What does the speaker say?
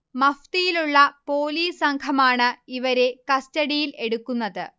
മഫ്തിയിലുള്ള police സംഘമാണ് ഇവരെ കസ്റ്റഡിയിൽ എടുക്കുന്നത്